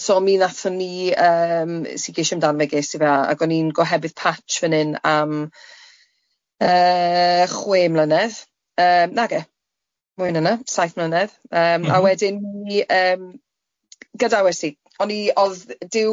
...so mi nathon ni yym, nes i amdano fe, ges i fe a ag o'n i'n gohebydd patch fan hyn am yy chwe mlynedd, yym nage, mwy na na, saith mlynedd... M-hm. ...yym a wedyn mi yym gadawes i, o'n i, o'dd Duw,